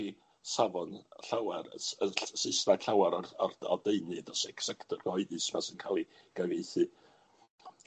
ydi safon llawer y S- y Saesneg llawer o'r o'r o'r deunydd o sev- sector cyhoeddus fel sy'n ca'l 'i gyfieithu.